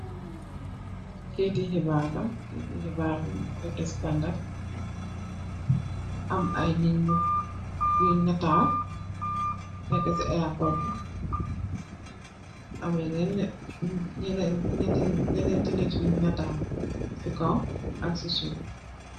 Keiti khibarr la, keiti khibarr bii the standard, am aiiy nitt nju yungh naatal, neka cii airport bii, am yenen nitt nju njulen njehti nitt njenenti nitt yungh naatal cii kaw ak cii suff.